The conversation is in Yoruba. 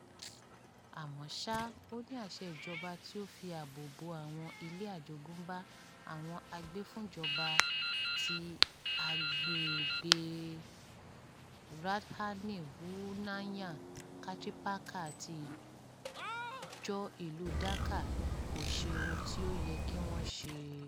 Àmọ́ ṣá, ó ní àṣẹ ìjọba tí ó fi ààbò bo àwọn ilé àjogúnbá, àwọn agbèfúnjọba ti agbègbèe Rajdhani Unnayan Kartripakkha àti Àjọ Ìlúu Dhaka kò ṣe ohun tí ó yẹ kí wọn ó ṣe.